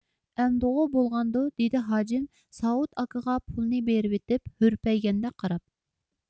ئەمدىغۇ بولغاندۇ دېدى ھاجىم ساۋۇت ئاكىغا پۇلنى بېرىۋېتىپ ھۈرپەيگەندەك قاراپ